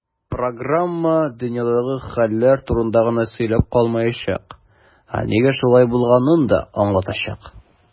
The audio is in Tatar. Программа "дөньядагы хәлләр турында гына сөйләп калмаячак, ә нигә шулай булганын да аңлатачак".